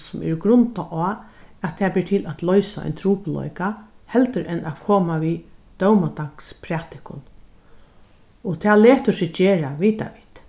sum er grundað á at tað ber til at loysa ein trupulleika heldur enn at koma við dómadagsprædikum og tað letur seg gera vita vit